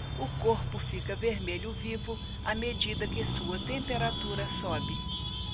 o corpo fica vermelho vivo à medida que sua temperatura sobe